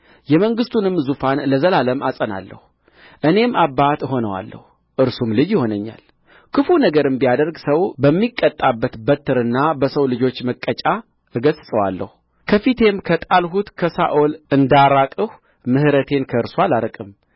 የመንግሥቱንም ዙፋን ለዘላለም አጸናለሁ እኔም አባት እሆነዋለሁ እርሱም ልጅ ይሆነኛል ክፉ ነገርም ቢያደርግ ሰው በሚቀጣበት በትርና በሰው ልጆች መቀጫ እገሥጸዋለሁ ከፊቴም ከጣልሁት ከሳኦል እንዳራቅሁ ምሕረቴን ከእርሱ አላርቅም